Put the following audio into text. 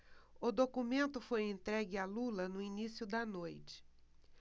o documento foi entregue a lula no início da noite